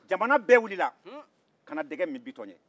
jamana bɛɛ wilila ka na dɛgɛ min bitɔn ye